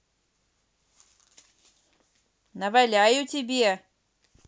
наваляю тебе